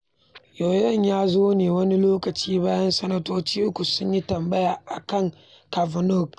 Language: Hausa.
Yoyon ya zo ne wani lokaci bayan sanatoci uku sun yi tambaya a Kavanaugh.